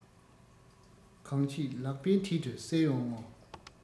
གང བྱས ལག པའི མཐིལ དུ གསལ ཡོང ངོ